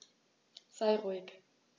Sei ruhig.